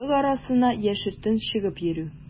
Халык арасына яшертен чыгып йөрү.